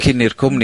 cyn i'r cwmni...